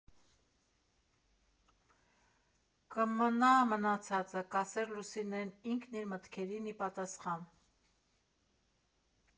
«Կմնա մնացածը»՝ կասեր Լուսինեն ինքն իր մտքերին ի պատասխան։